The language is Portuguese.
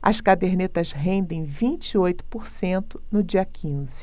as cadernetas rendem vinte e oito por cento no dia quinze